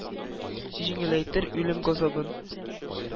Җиңеләйтер үлем газабын,